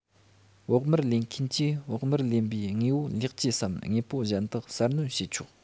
བོགས མར ལེན མཁན གྱིས བོགས མར ལེན པའི དངོས པོ ལེགས བཅོས སམ དངོས པོ གཞན དག གསར སྣོན བྱས ཆོག